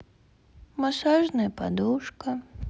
массажная подушка